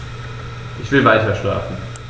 Ich will weiterschlafen.